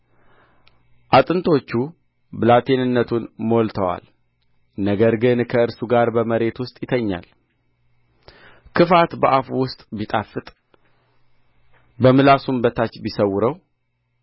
አጥንቶቹ ብላቴንነቱን ሞልተዋል ነገር ግን ከእርሱ ጋር በመሬት ውስጥ ይተኛል ክፋት በአፉ ውስጥ ቢጣፍጥ ከምላሱም በታች ቢሰውረው